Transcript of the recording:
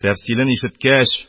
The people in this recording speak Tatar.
Тәфсыйлен ишеткәч,